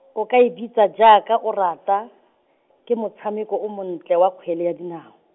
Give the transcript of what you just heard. o ka e bitsa jaaka o rata , ke motshameko o montle wa kgwele ya dinao.